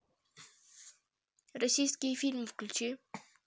российские фильмы включи